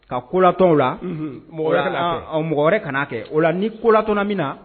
Ka kolatɔw la mɔgɔ la mɔgɔ wɛrɛ ka kɛ o la ni kolat min na